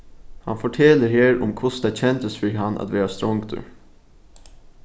hann fortelur her um hvussu tað kendist fyri hann at vera strongdur